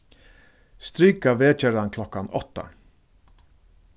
strika vekjaran klokkan átta